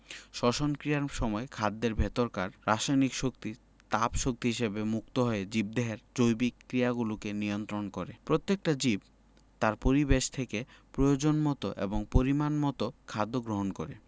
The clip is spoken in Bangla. শ্বসন ক্রিয়ার সময় খাদ্যের ভেতরকার রাসায়নিক শক্তি তাপ শক্তি হিসেবে মুক্ত হয়ে জীবদেহের জৈবিক ক্রিয়াগুলোকে নিয়ন্ত্রন করে প্রত্যেকটা জীব তার পরিবেশ থেকে প্রয়োজনমতো এবং পরিমাণমতো খাদ্য গ্রহণ করে